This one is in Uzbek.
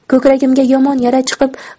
ko'kragimga yomon yara chiqib